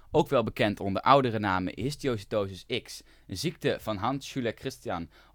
ook wel bekend onder oudere namen Histiocytosis X, ziekte van Hand-Schüller-Christian